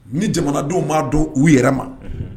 Ni jamanadenw b'a dɔn u yɛrɛ ma